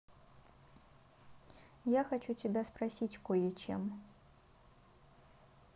я хочу тебя спросить кое чем